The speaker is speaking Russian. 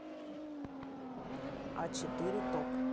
а четыре топ